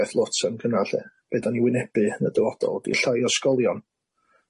l 'lly be' 'dan ni wynebu yn y dyfodol ydi llai o ysgolion,